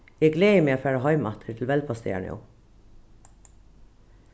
eg gleði meg at fara heim aftur til velbastaðar nú